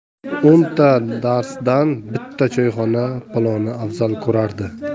o'nta darsdan bitta choyxona palovni afzal ko'rardi